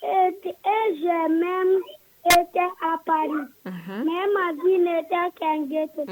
Se z mɛ se tɛ a fa ne ma diinɛ tɛ kɛjɛ